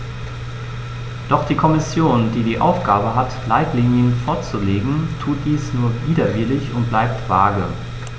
Doch die Kommission, die die Aufgabe hat, Leitlinien vorzulegen, tut dies nur widerwillig und bleibt vage.